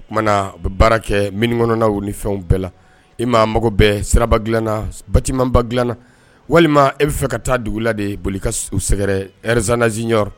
Oumana baara kɛ minikna ni fɛnw bɛɛ la i m' mago bɛɛ siraba dilanna baba dilanna walima e bɛa fɛ ka taa dugu la de boli u sɛgɛrɛ rzdanzy